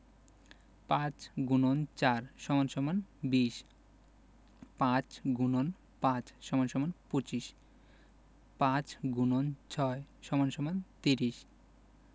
৫× ৪ = ২০ ৫× ৫ = ২৫ ৫x ৬ = ৩০